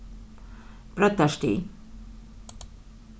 breiddarstig